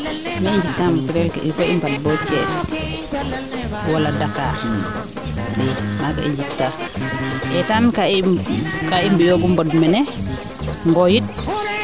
mee i njik taa materiel ke fook i mband bo Thies wala Dackar i maaga i njiktaa etan kaa kaa i mbiyoogu mbond mene ngoyit